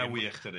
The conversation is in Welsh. Ma'n wych dydi.